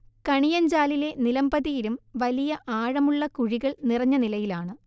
കണിയഞ്ചാലിലെ നിലംപതിയിലും വലിയ ആഴമുള്ള കുഴികൾ നിറഞ്ഞനിലയിലാണ്